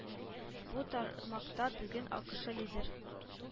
Бу тармакта бүген АКэШэ лидер